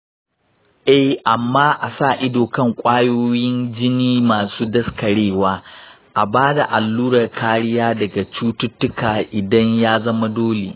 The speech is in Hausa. eh, amma a sa ido kan ƙwayoyin jini masu daskarewa. a ba da allurar kariya daga cututtuka idan ya zama dole.